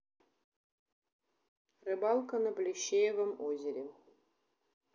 рыбалка на плещеевом озере